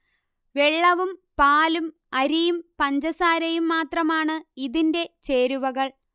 വെള്ളവും പാലും അരിയുംപഞ്ചസാരയും മാത്രമാണ് ഇതിന്റെ ചേരുവകൾ